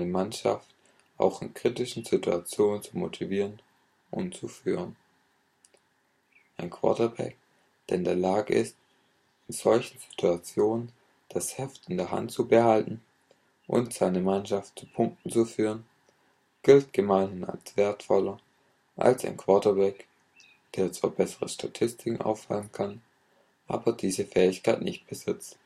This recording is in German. Mannschaft auch in kritischen Situationen zu motivieren und zu führen. Ein Quarterback, der in der Lage ist, in solchen Situationen das Heft in der Hand zu behalten und seine Mannschaft zu Punkten zu führen, gilt gemeinhin als wertvoller als ein Quarterback, der zwar bessere Statistiken aufweisen kann, aber diese Fähigkeit nicht besitzt